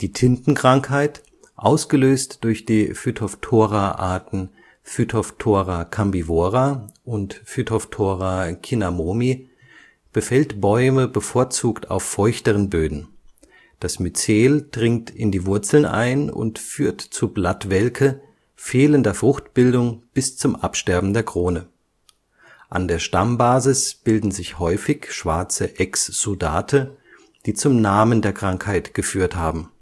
Tintenkrankheit, ausgelöst durch die Phytophthora-Arten Phytophthora cambivora und Phytophthora cinnamomi, befällt Bäume bevorzugt auf feuchteren Böden. Das Mycel dringt in die Wurzeln ein und führt zu Blattwelke, fehlender Fruchtbildung bis zum Absterben der Krone. An der Stammbasis bilden sich häufig schwarze Exsudate, die zum Namen der Krankheit geführt haben